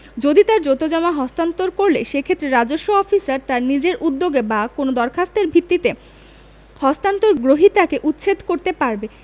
যদি তার জোতজমা হস্তান্তর করলে সেক্ষেত্রে রাজস্ব অফিসার তার নিজের উদ্যোগে বা কোনও দরখাস্তের ভিত্তিতে হস্তান্তর গ্রহীতাকে উচ্ছেদ করতে পারবে